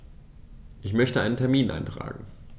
Ich möchte einen Termin eintragen.